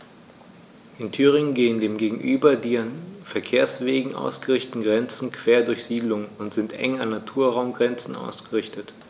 In Thüringen gehen dem gegenüber die an Verkehrswegen ausgerichteten Grenzen quer durch Siedlungen und sind eng an Naturraumgrenzen ausgerichtet.